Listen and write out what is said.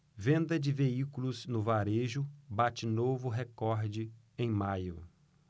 venda de veículos no varejo bate novo recorde em maio